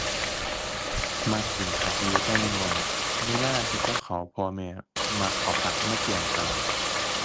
มักกินผักอยู่ แต่น้อยน้อยเวลาเฮ็ดกับข้าว พ่อแม่มักเอาผักมาแกล้มตลอด